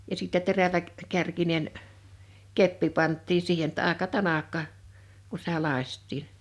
ja sitten - teräväkärkinen keppi pantiin siihen jotta aika tanakka kun sitä lakaistiin